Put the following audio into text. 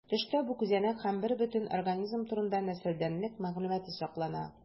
Төштә бу күзәнәк һәм бербөтен организм турында нәселдәнлек мәгълүматы саклана.